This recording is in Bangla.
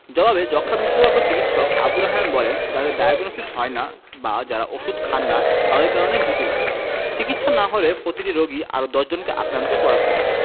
জবাবে যক্ষ্মা বিশেষজ্ঞ চিকিৎসক আবু রায়হান বলেন যাদের ডায়াগনসিস হয় না বা যারা ওষুধ খান না তাদের কারণেই ঝুঁকি বাড়ছে চিকিৎসা না হলে প্রতিটি রোগী আরও ১০ জনকে আক্রান্ত করাতে পারে